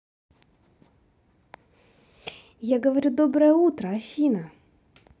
я говорю доброе утро афина